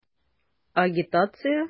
Агитация?!